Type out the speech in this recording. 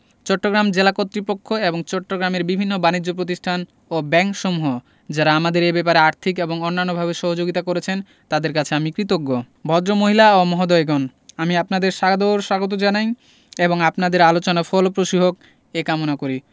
চট্টগ্রাম জেলা কর্তৃপক্ষ এবং চট্টগ্রামের বিভিন্ন বানিজ্য প্রতিষ্ঠান ও ব্যাংকসমূহ যারা আমাদের এ ব্যাপারে আর্থিক এবং অন্যান্যভাবে সহযোগিতা করেছেন তাঁদের কাছে আমি কৃতজ্ঞ ভদ্রমহিলা ও মহোদয়গণ আমি আপনাদের সাদর স্বাগত জানাই এবং আপনাদের আলোচনা ফলপ্রসূ হোক এ কামনা করি